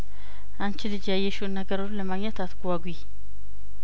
አንቺ ልጅ ያየሽውን ነገር ሁሉ ለማግኘት አትጓጉ